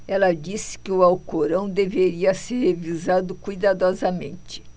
ela disse que o alcorão deveria ser revisado cuidadosamente